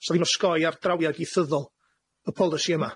'Sa ddim osgoi ar drawiad ieithyddol y polisi yma.